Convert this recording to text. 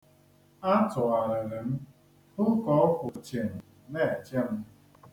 Atụgharịrị m hụ ka ọ kwụ chịm na-eche m.